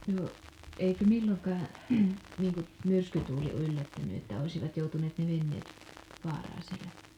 no eikö milloinkaan niin kuin myrskytuuli yllättänyt että olisivat joutuneet ne veneet vaaraan siellä